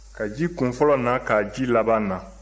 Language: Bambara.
ka ji kunfɔlɔ na ka ji laban na